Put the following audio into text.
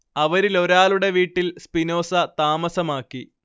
അവരിലൊരാളുടെ വീട്ടിൽ സ്പിനോസ താമസമാക്കി